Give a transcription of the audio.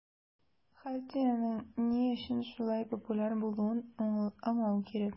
Хартиянең ни өчен шулай популяр булуын аңлау кирәк.